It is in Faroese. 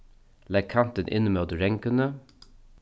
legg kantin inn móti ranguni